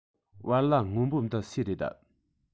བལ ལྭ སྔོན པོ འདི སུའི རེད